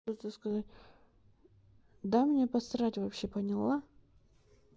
да мне посрать вообще поняла